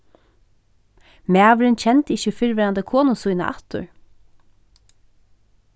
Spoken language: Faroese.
maðurin kendi ikki fyrrverandi konu sína aftur